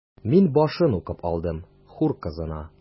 Мин башын укып алдым: “Хур кызына”.